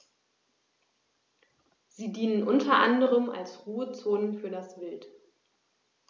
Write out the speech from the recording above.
Sie dienen unter anderem als Ruhezonen für das Wild.